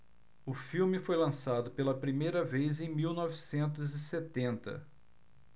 o filme foi lançado pela primeira vez em mil novecentos e setenta